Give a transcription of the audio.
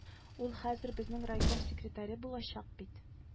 Ул хәзер безнең райком секретаре булачак бит